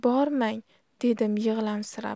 bormang dedim yig'lamsirab